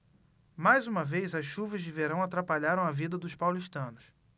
mais uma vez as chuvas de verão atrapalharam a vida dos paulistanos